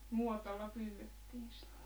nuotalla pyydettiin sitä